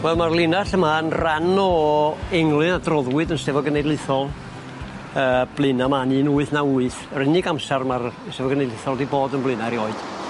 Wel ma'r linall yma yn ran o engly adroddwyd yn Steddfod Genedlaethol yy Blaena' 'ma yn un wyth naw wyth yr unig amsar ma'r Steddfod Genedlaethol 'di bod yn Blaena' erioed.